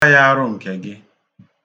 Taa ya arụ nke gị!